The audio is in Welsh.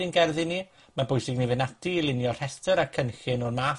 ein gerddi ni. Ma'n bwysig i ni fynd ati i lunio rhester a cynllun o'r math